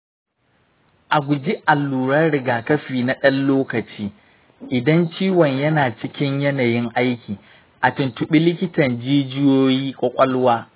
a guji alluran rigakafi na ɗan lokaci idan ciwon yana cikin yanayin aiki. a tuntubi likitan jijiyoyi ƙwaƙwalwa.